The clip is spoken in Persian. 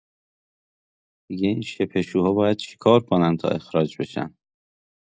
دیگه این شپشوها باید چیکار کنن تا اخراج بشن؟